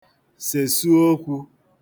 sèsu okwū